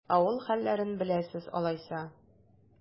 Авыл хәлләрен беләсез алайса?